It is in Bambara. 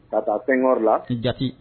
Ka taa tɛyɔrɔ la i jate